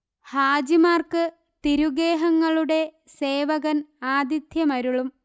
ഹാജിമാർക്ക് തിരുഗേഹങ്ങളുടെ സേവകൻ ആതിഥ്യമരുളും